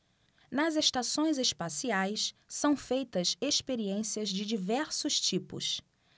nas estações espaciais são feitas experiências de diversos tipos